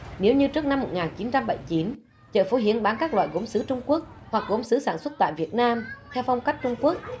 nếu như trước năm một ngàn chín trăm bảy chín chợ phố hiến bán các loại gốm sứ trung quốc hoặc gốm sứ sản xuất tại việt nam theo phong cách trung quốc